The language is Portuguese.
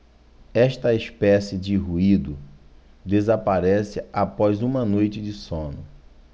esta espécie de ruído desaparece após uma noite de sono